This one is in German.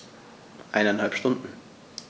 Eineinhalb Stunden